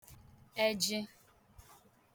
ejị